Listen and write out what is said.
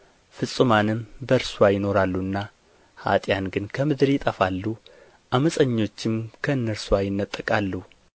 ፍጹማንም በእርስዋ ይኖራሉና ኃጥኣን ግን ከምድር ይጠፋሉ ዓመፀኞችም ከእርስዋ ይነጠቃሉ